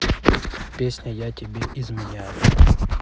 песня я тебе изменяю